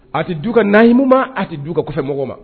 A tɛ d'u ka nahimu ma a tɛ d'u ka kɔfɛ mɔgɔw ma